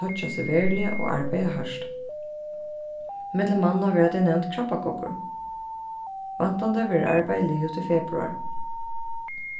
toyggja seg veruliga og arbeiða hart millum manna verða tey nevnd krabbagoggur væntandi verður arbeiðið liðugt í februar